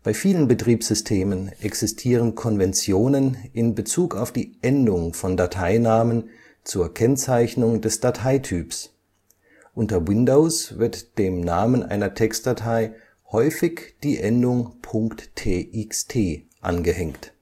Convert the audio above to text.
vielen Betriebssystemen existieren Konventionen in Bezug auf die Endung von Dateinamen zur Kennzeichnung des Dateityps. Unter Windows wird dem Namen einer Textdatei häufig die Endung. txt angehängt